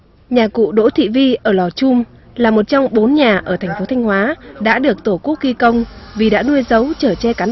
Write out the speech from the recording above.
nhà cụ đỗ thị vi ở lò chum là một trong bốn nhà ở thành phố thanh hóa đã được tổ quốc ghi công vì đã nuôi giấu chở che cán